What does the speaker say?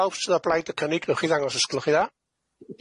Pawn sy o blaid y cynnig newch chi ddangos os gwelwch chi dda.